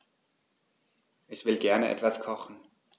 Ich will gerne etwas kochen.